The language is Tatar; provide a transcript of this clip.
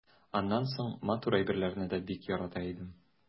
Аннан соң матур әйберләрне дә бик ярата идем.